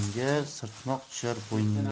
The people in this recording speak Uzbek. sirtmoq tushar bo'yningga